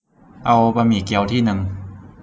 เอาบะหมี่เกี๊ยวที่นึง